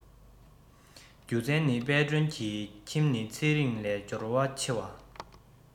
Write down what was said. རྒྱུ མཚན ནི དཔལ སྒྲོན གྱི ཁྱིམ ནི ཚེ རིང ལས འབྱོར པ ཆེ བ